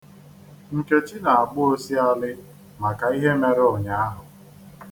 Nkechi na-agba osialị maka ihe mere ụnyaahụ.